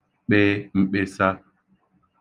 kpē m̄kpēsā